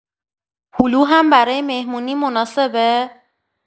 هلو هم برای مهمونی مناسبه؟